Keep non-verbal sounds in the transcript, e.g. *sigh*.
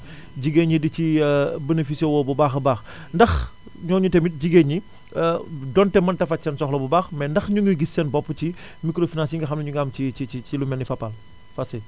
jigéen ñi di ci *hesitation* bénéfice woo bu baax a baax *blows air* ndax ñooñu tamit jigéen ñi *hesitation* donte mënut a faj seen soxla bu baax mais ndax ñu ngi gis seen bopp ci *inhales* microfinances yi nga xam ne ñu ngi am ci ci ci lu mel ne Fapal Fatou Seye